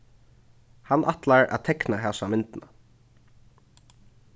hann ætlar at tekna hasa myndina